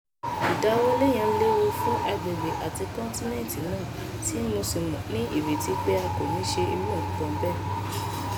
ìdáwọ́lé yẹn léwu fún agbègbè àti kọ́ńtínẹ̀tì náà tí mo sì ní ìrètí pé a kò níí ṣe irú ǹkan bẹ́ẹ̀.